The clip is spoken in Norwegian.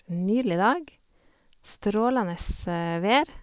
Nydelig dag, strålende vær.